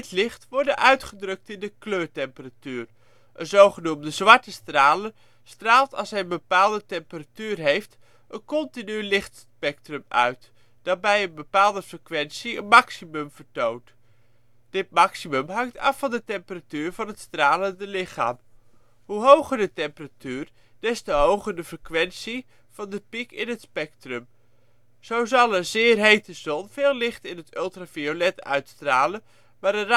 licht worden uitgedrukt in de kleurtemperatuur. Een zogenoemde zwarte straler straalt als hij een bepaalde temperatuur heeft een continu lichtspectrum uit, dat bij een bepaalde frequentie een maximum vertoont. Dit maximum hangt af van de temperatuur van het stralende lichaam. Hoe hoger de temperatuur, des te hoger de frequentie van de piek in het spectrum. Zo zal een zeer hete zon veel licht in het ultraviolet uitstralen, maar